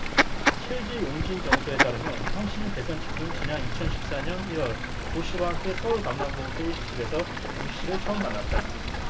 최지용진정서에 따르면 황씨는 대선 직후인 지난 이천 십 삼 년 일 월 조씨와 함께 서울 강남구 호텔 일식집에서 윤씨를 처음 만났다